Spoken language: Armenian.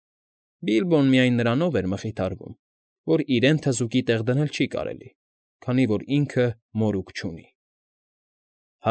Բիլբոն միայն նրանով էր մխիթարվում, որ իրեն թզուկի տեղ դնել չի կարելի, քանի որ ինքը մորուք չունի։